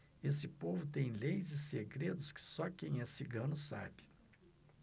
esse povo tem leis e segredos que só quem é cigano sabe